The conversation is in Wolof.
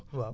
waa